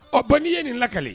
Ɔ ban n'i ye nin lakalile